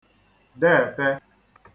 deete